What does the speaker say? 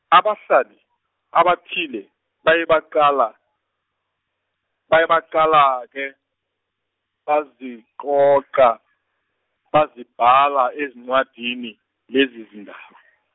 ababhali abathile baye baqala, baye baqala ke baziqoqa bazibhala ezincwadini, lezi zindaba.